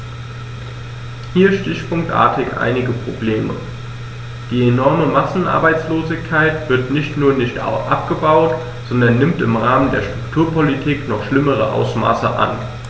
Hier stichpunktartig einige Probleme: Die enorme Massenarbeitslosigkeit wird nicht nur nicht abgebaut, sondern nimmt im Rahmen der Strukturpolitik noch schlimmere Ausmaße an.